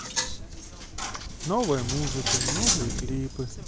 новая музыка и новые клипы